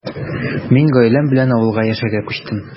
Мин гаиләм белән авылга яшәргә күчтем.